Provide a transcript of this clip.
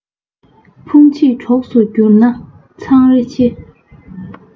ཕུང བྱེད གྲོགས སུ བསྒྱུར ན མཚང རེ ཆེ